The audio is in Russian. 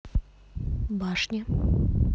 башня